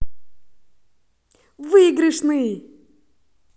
выигрышный